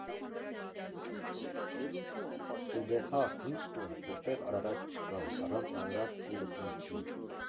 Ու դե հա, ի՞նչ տուն, որտեղ Արարատ չկա, առանց Արարատ՝ տունը Տուն չի։